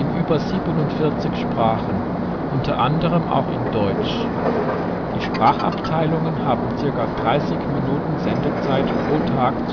über 47 Sprachen, unter anderem auch in Deutsch. Die Sprachabteilungen haben ca. 30 Minuten Sendezeit pro Tag